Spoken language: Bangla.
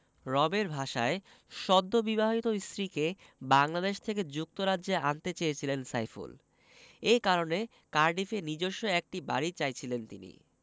রবের ভাষায় সদ্যবিবাহিত স্ত্রীকে বাংলাদেশ থেকে যুক্তরাজ্যে আনতে চেয়েছিলেন সাইফুল এ কারণে কার্ডিফে নিজস্ব একটি বাড়ি চাইছিলেন তিনি